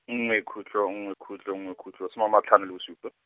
nngwe khutlo nngwe khutlo nngwe khutlo some a matlhano le bosupa.